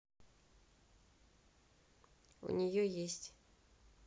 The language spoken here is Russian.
у нее есть